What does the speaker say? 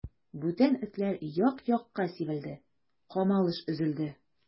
Бүтән этләр як-якка сибелде, камалыш өзелде.